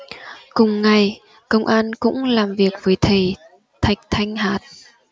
cùng ngày công an cũng làm việc với thầy thạch thanh h